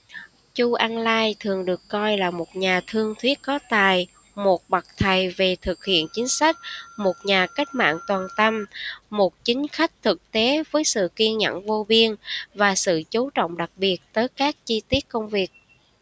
chu ân lai thường được coi là một nhà thương thuyết có tài một bậc thầy về thực hiện chính sách một nhà cách mạng toàn tâm một chính khách thực tế với sự kiên nhẫn vô biên và sự chú trọng đặc biệt tới các chi tiết công việc